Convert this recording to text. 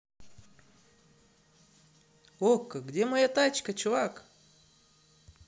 okko где моя тачка чувак